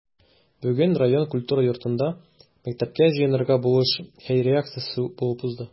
Бүген район культура йортында “Мәктәпкә җыенырга булыш” хәйрия акциясе булып узды.